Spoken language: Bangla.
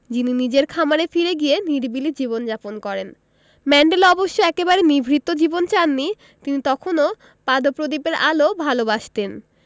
যিনি নিজের খামারে ফিরে গিয়ে নিরিবিলি জীবন যাপন করেন ম্যান্ডেলা অবশ্য একেবারে নিভৃত জীবন চাননি তিনি তখনো পাদপ্রদীপের আলো ভালোবাসতেন